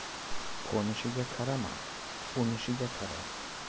qo'nishiga qarama unishiga qara